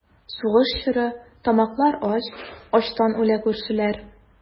Сугыш чоры, тамаклар ач, Ачтан үлә күршеләр.